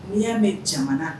N'i' mɛn jamana